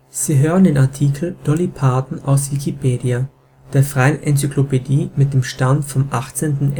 Sie hören den Artikel Dolly Parton, aus Wikipedia, der freien Enzyklopädie. Mit dem Stand vom Der